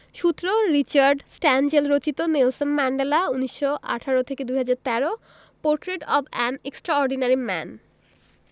সূত্র Richard Stengel রচিত Nelson Mandela ১৯১৮ থেকে ২০১৩ portrait of an extraordinary man